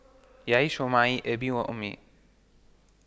يعيش معي أبي وأمي